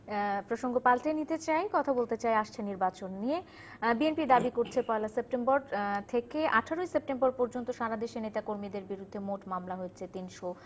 প্রসঙ্গ পাল্টে নিতে চাই কথা হচ্ছে আসন্ন নির্বাচন নিয়ে বিএনপির দাবি করছে পহেলা সেপ্টেম্বর থেকে ১৮ ই সেপ্টেম্বর পর্যন্ত সারাদেশে নেতাকর্মীদের বিরুদ্ধে মোট মামলা হচ্ছে ৩০০